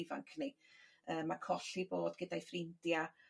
ifanc ni yy ma' colli bod gyda'i ffrindia